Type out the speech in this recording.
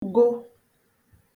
gụ